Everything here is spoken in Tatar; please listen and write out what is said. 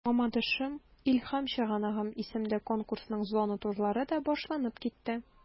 “мамадышым–илһам чыганагым” исемле конкурсның зона турлары да башланып китте.